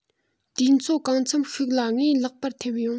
དུས ཚོད གང འཚམས ཤིག ལ ངའི ལག པར ཐེབས ཡོང